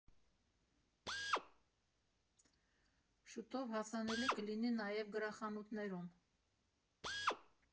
Շուտով հասանելի կլինի նաև գրախանութներում։